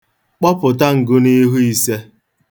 Kpọpụta ngụniihu ise.